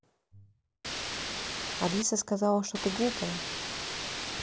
алиса сказала что ты глупая